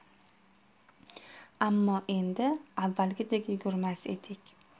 ammo endi avvalgidek yugurmas edik